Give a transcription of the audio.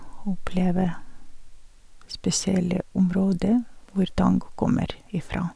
Oppleve spesielle område hvor tango kommer ifra.